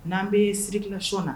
N'an bɛ sirilati na